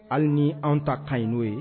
Hali ni an ta kaɲ n'o ye